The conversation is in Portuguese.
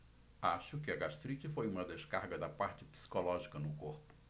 acho que a gastrite foi uma descarga da parte psicológica no corpo